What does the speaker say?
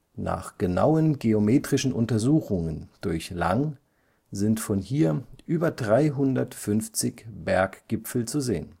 Nach genauen geometrischen Untersuchungen durch Lang sind von hier über 350 Berggipfel zu sehen